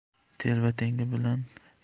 telba tengi bilan